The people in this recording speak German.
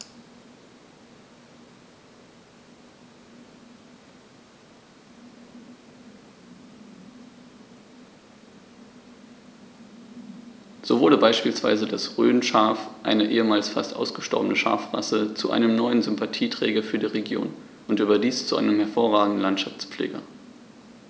So wurde beispielsweise das Rhönschaf, eine ehemals fast ausgestorbene Schafrasse, zu einem neuen Sympathieträger für die Region – und überdies zu einem hervorragenden Landschaftspfleger.